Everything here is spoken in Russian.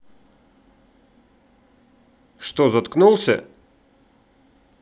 что заткнулся